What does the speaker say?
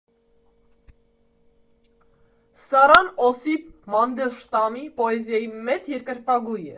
Սառան Օսիպ Մանդելշտամի պոեզիայի մեծ երկրպագու է։